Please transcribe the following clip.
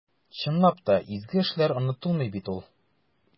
Чынлап та, изге эшләр онытылмый бит ул.